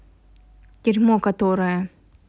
дерьмо которое